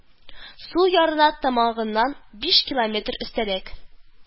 Сул ярына тамагыннан биш километр өстәрәк